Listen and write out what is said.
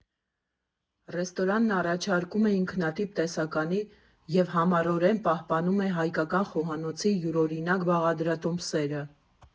Ռեստորանն առաջարկում է ինքնատիպ տեսականի և համառորեն պահպանում է հայկական խոհանոցի յուրօրինակ բաղադրատոմսերը։